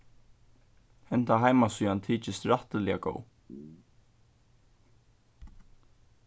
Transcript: henda heimasíðan tykist rættiliga góð